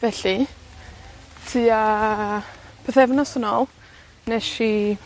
Felly, tua pythefnos yn ôl, nesh i